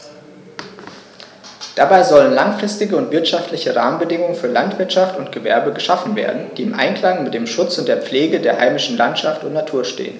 Dabei sollen langfristige und wirtschaftliche Rahmenbedingungen für Landwirtschaft und Gewerbe geschaffen werden, die im Einklang mit dem Schutz und der Pflege der heimischen Landschaft und Natur stehen.